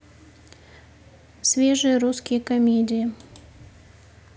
свежие русские комедии